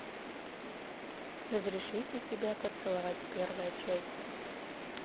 разрешите тебя поцеловать первая часть